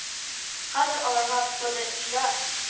Хәзер аларга БэДэИда